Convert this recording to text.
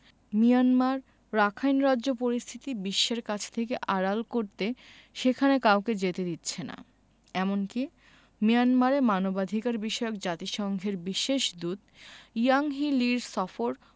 Myanmar Rakhine রাজ্য পরিস্থিতি বিশ্বের কাছ থেকে আড়াল করতে সেখানে কাউকে যেতে দিচ্ছে না এমনকি মিয়ানমারে মানবাধিকারবিষয়ক জাতিসংঘের বিশেষ দূত ইয়াংহি লির সফর